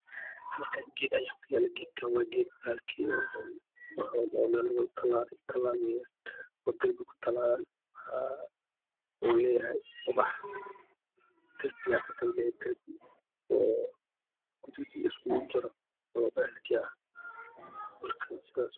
Halkaan geed ayaa ku yaalo geedkaan waa geed bahalkii wax walbo oo meel lagu talaalo talaal waaye wadada ku talaalan wuxuu leeyahay ubax darbigaa ka danbeeyo darbi oo guduud iyo iskugu jiro oo bahalkii ah marka sidaas waaye